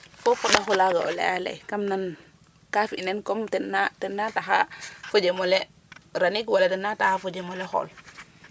foof fo foɗaxu laaga o laya lay kaam nan ka fi' nen comme ten na ten na taxaa fojem ole ranig wala wala tena taxa fo jem ole xool ?